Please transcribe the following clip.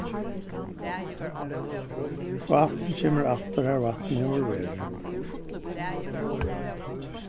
vatn kemur aftur har vatn hevur verið